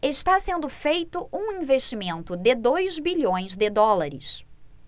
está sendo feito um investimento de dois bilhões de dólares